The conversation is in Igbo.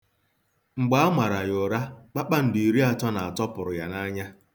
Mgbe a mara ya ụra, kpakpando iriatọ na atọ pụrụ ya n'anya.